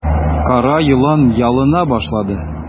Кара елан ялына башлады.